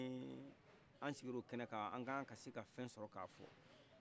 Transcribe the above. un an sigile o kɛnɛkan an kankan se ka fɛ sɔrɔ ka fɔ